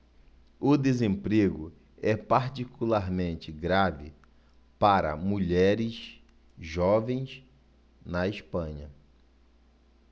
o desemprego é particularmente grave para mulheres jovens na espanha